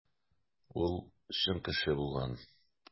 Ул чын кеше булган.